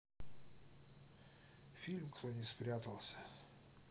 фильм кто не спрятался